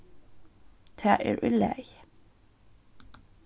tað er í lagi